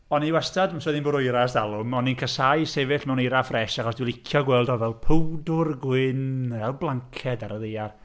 O'n i wastad, amser oedd hi'n bwrw eira ers talwm. O'n i'n casáu sefyll mewn eira ffres. Achos dwi'n licio gweld o fel powdr gwyn. Fel blanced ar y ddaear.